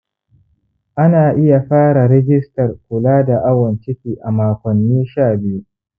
ana iya fara rijistar kula da awon ciki a makonni sha biyu